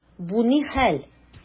Бу ни хәл!